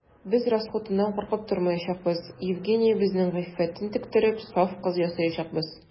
Без расхутыннан куркып тормаячакбыз: Евгениябезнең гыйффәтен тектереп, саф кыз ясаячакбыз.